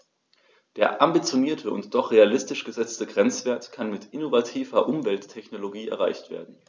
Der ambitionierte und doch realistisch gesetzte Grenzwert kann mit innovativer Umwelttechnologie erreicht werden.